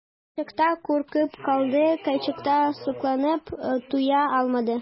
Кайчакта куркып калды, кайчакта сокланып туя алмады.